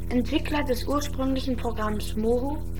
Entwickler des ursprünglichen Programms Moho